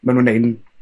ma' nw'n ein